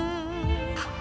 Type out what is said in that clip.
trí